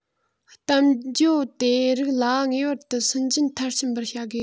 གཏམ བརྗོད དེ རིགས ལ ངེས པར དུ སུན འབྱིན མཐར ཕྱིན པར བྱ དགོས